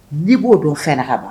N'i b'o dɔn fɛn ka ban